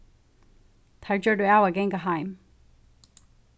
teir gjørdu av at ganga heim